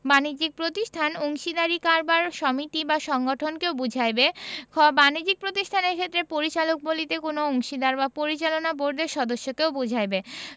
বাণিজ্যিক প্রতিষ্ঠান অংশীদারী কারবার সমিতি বা সংগঠনকেও বুঝাইবে খ বাণিজ্যিক প্রতিষ্ঠানের ক্ষেত্রে পরিচালক বলিতে কোন অংশীদার বা পরিচালনা বোর্ডের সদস্যকেও বুঝাইবে